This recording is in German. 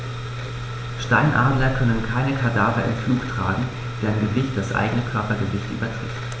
Steinadler können keine Kadaver im Flug tragen, deren Gewicht das eigene Körpergewicht übertrifft.